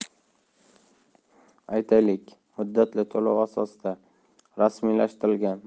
aytaylik muddatli to'lov asosida rasmiylashtirgan